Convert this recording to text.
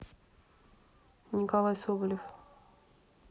николай соболев